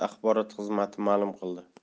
axborot xizmati ma'lum qildi